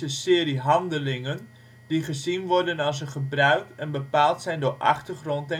serie handelingen die gezien worden als een gebruik en bepaald zijn door achtergrond